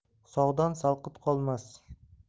sog'dan salqit qolmas